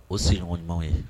O sigiɲɔgɔn ɲumanw ye